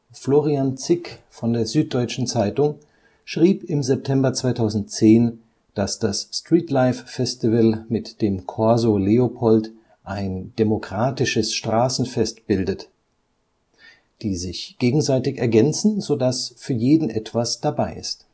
Florian Zick von der Süddeutschen Zeitung, schrieb im September 2010, dass das Streetlife Festival mit dem Corso Leopold ein „ demokratisches Straßenfest “bildet, die sich gegenseitig „ ergänzen “, sodass „ für jeden […] etwas dabei “ist